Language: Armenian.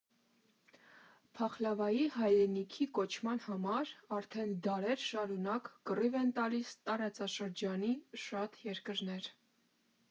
Փախլավայի հայրենիքի կոչման համար արդեն դարեր շարունակ կռիվ են տալիս տարածաշրջանի շատ երկրներ։